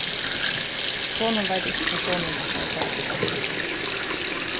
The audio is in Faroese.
konan veit ikki hvar sonurin ætlar at fara